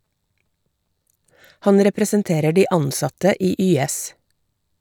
Han representerer de ansatte i YS.